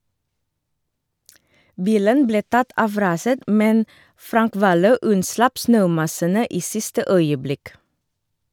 Bilen ble tatt av raset, men Frank Valø unnslapp snømassene i siste øyeblikk.